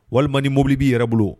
Walima ni mobili b'i yɛrɛ bolo